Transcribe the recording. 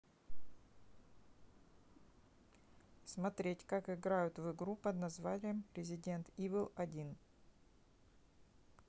смотреть как играют в игру под названием resident evil один